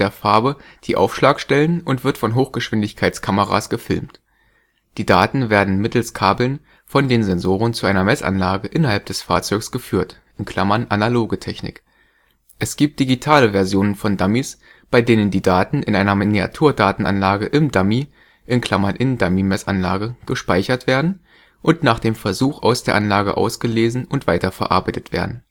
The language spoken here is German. Farbe die Aufschlagstellen und wird von Hochgeschwindigkeitskameras gefilmt. Die Daten werden mittels Kabeln von den Sensoren zu einer Messanlage innerhalb des Fahrzeugs geführt (analoge Technik). Es gibt digitale Versionen von Dummies, bei denen die Daten in einer Miniatur-Datenanlage im Dummy (In-Dummy-Messanlage) gespeichert werden und nach dem Versuch aus der Anlage ausgelesen und weiterverarbeitet werden